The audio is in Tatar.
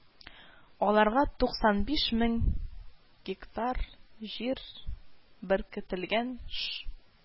Аларга туксан биш мең гектар җир беркетелгән, эш